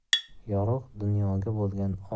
yorug' dunyoga bo'lgan